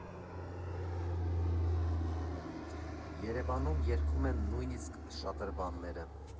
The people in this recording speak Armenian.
Երևանում երգում են նույնսիկ շատրվանները։